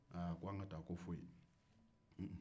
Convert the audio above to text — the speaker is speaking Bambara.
a ko an ka taa ko foyi